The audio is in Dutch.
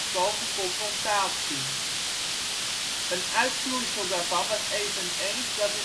boven confrontatie. Een uitvloeisel daarvan was eveneens dat